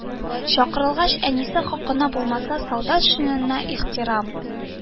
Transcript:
Чакырылгач, әнисе хакына булмаса, солдат шинеленә ихтирам